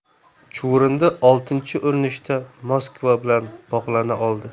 chuvrindi oltinchi urinishda moskva bilan bog'lana oldi